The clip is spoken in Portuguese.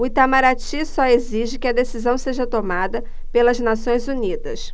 o itamaraty só exige que a decisão seja tomada pelas nações unidas